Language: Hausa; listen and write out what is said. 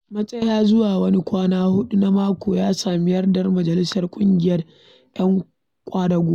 Matsaya zuwa wani kwana huɗu na mako ya sami yardar Majalisar Ƙungiyar 'Yan Ƙwadago a matsayin wata hanya don ma'aikata su sami fa'ida ta canza tattalin arzikin.